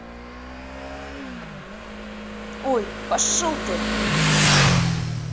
ой пошел ты